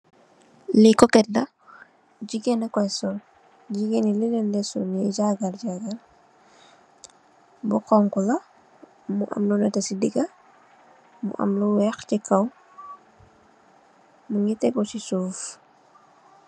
Lii koket la, jigeen na koy sol, jigeen yi li lenj de sol nyi gaagar-gaagar, bu xonxu la, bu am lu nete si digge, bu am lu weex si kaw, mungi teggu si suuf.